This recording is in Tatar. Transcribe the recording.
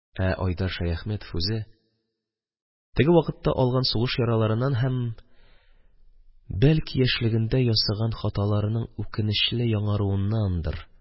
Ә айдар шаяхметов үзе, теге вакытта алган сугыш яраларыннан һәм, бәлки, яшьлегендә ясаган хаталарының үкенечле яңаруыннандыр,